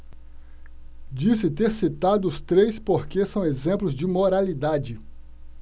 disse ter citado os três porque são exemplos de moralidade